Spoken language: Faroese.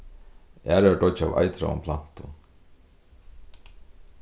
aðrar doyggja av eitraðum plantum